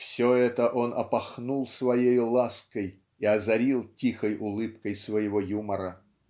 все это он опахнул своею лаской и озарил тихой улыбкой своего юмора.